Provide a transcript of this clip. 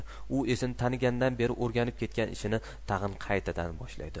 u esini taniganidan beri o'rganib ketgan ishini tag'in qaytadan boshlaydi